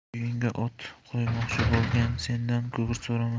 uyingga o't qo'ymoqchi bo'lgan sendan gugurt so'ramas